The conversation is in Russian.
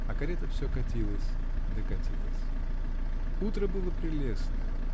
А карета все катилась да катилась. Утро было прелестное.